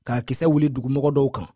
ka kisɛ wuli dugumɔgɔ dɔw kan